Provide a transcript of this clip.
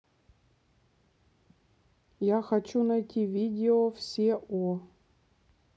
я хочу найти видео все о